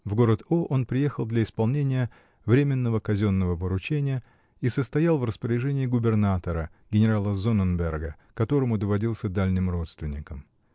В город О. он приехал для исполнения временного казенного поручения и состоял в распоряжении губернатора, генерала Зонненберга, которому доводился дальним родственником.